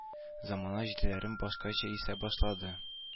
Замана җилләре башкача исә башлады